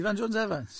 Ifan Jones Evans?